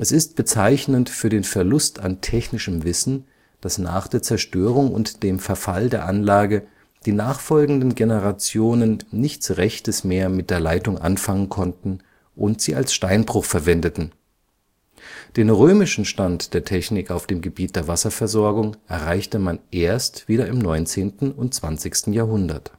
ist bezeichnend für den Verlust an technischem Wissen, dass nach der Zerstörung und dem Verfall der Anlage die nachfolgenden Generationen nichts Rechtes mehr mit der Leitung anfangen konnten und sie als Steinbruch verwendeten. Den römischen Stand der Technik auf dem Gebiet der Wasserversorgung erreichte man erst wieder im 19. und 20. Jahrhundert